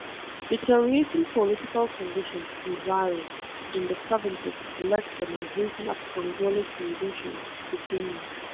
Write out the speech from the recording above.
Deteriorating political conditions in Zaire in the 70s led to the migration of Congolese musicians to Kenya.